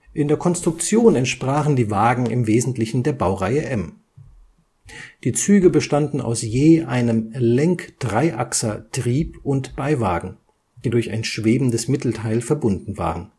In der Konstruktion entsprachen die Wagen im Wesentlichen der Baureihe M. Die Züge bestanden aus je einem Lenkdreiachser-Trieb - und Beiwagen, die durch ein schwebendes Mittelteil verbunden waren